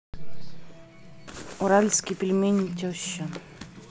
уральские пельмени теща